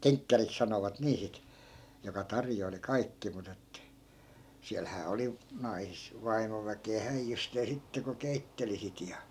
kenkkäriksi sanovat niin sitten joka tarjoili kaikki mutta että siellähän oli - vaimoväkeä häijysteen sitten kun keitteli sitä ja